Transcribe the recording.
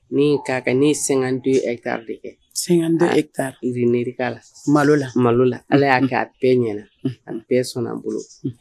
Ni k'a kɛ ne san den e k'a bɛɛ kɛ da e kainɛ la malo la malo la ala y'a'a bɛɛ ɲɛna a bɛɛ sɔnna a bolo